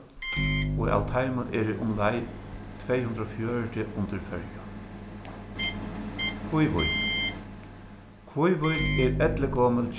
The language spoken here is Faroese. og av teimum eru umleið tvey hundrað og fjøruti undir føroyum kvívík kvívík er elligomul